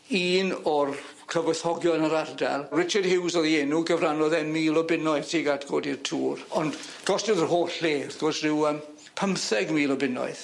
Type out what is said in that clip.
un o'r cyfoethogion yr ardal Richard Hughes o'dd 'i enw gyfrannodd e mil o bunnoedd tuag at godi'r tŵr ond gostiodd yr holl le wrth gwrs ryw yym pymtheg mil o bunnoedd.